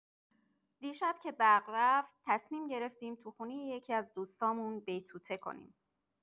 دیشب که برق رفت، تصمیم گرفتیم توی خونه یکی‌از دوستامون بیتوته کنیم.